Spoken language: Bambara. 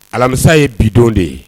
Alamisa ye bidon de ye